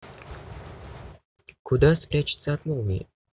куда спрячется от молнии